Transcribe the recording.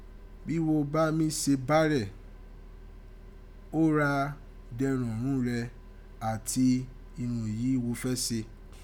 Bí wo bá mí se bárẹ̀, ó ra dẹrọ̀n ghún rẹ áti mà irun yìí wo fẹ́ se.